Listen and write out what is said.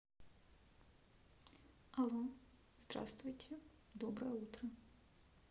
алло здравствуйте доброе утро